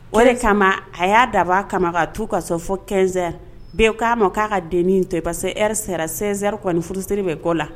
O de kama a y'a daba kama k ka tu kasɔrɔ fɔ kɛsɛn bɛɛ k'a ma k'a ka dennin to i pa se sɛsɛri kɔni nif furusiri bɛ kɔ la